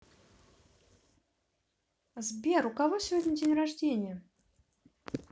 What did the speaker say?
сбер у кого сегодня день рождения